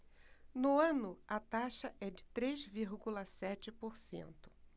no ano a taxa é de três vírgula sete por cento